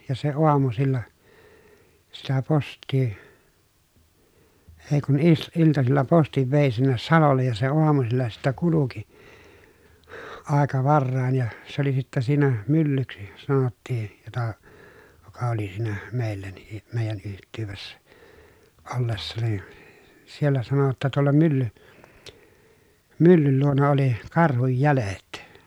ja se aamusilla sitä postia ei kun - iltasilla postin vei sinne salolle ja se aamusilla sitten kulki aika varhain ja se oli sitten siinä myllyksi sanottiin jota joka oli siinä meillä niin meidän yhteydessä ollessa niin siellä sanoi jotta tuolla mylly myllyn luona oli karhun jäljet